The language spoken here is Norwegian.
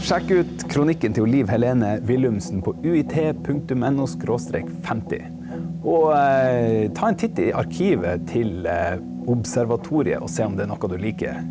sjekk ut kronikken til hun Liv Helene Willumsen på UiT punktum N O skråstrek 50 og ta en titt i arkivet til Observatoriet og se om det er noe du liker!